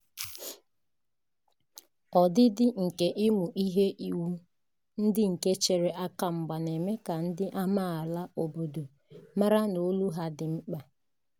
Ọdịdị nke ụmụ ihe iwu ndị nke chere aka mgba na-eme ka ndị amaala obodo mara na olu ha dị mkpa.